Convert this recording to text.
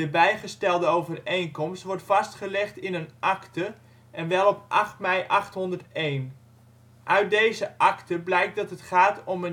bijgestelde overeenkomst wordt vastgelegd in een acte en wel op 8 mei 801. Uit deze acte blijkt dat het gaat om